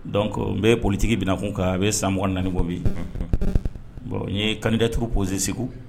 Don n bɛ politigi bɛnanakun kan u bɛ san manibɔ bi bon n ye kanjɛuru pose segu